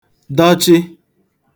dọchị